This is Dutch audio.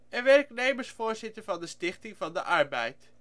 en werknemersvoorzitter van de Stichting van de Arbeid